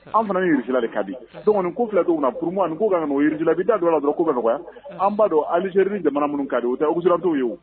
An fana ni Russie la de ka di donc nin ko filɛ cogo min na pour moi Russie la b'i da don ala dɔrɔn ko bɛ nɔgɔya an b'a dɔn Algérie ni jamana minnu kadi o tɛ occidentaux ye o